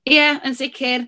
Ie, yn sicr.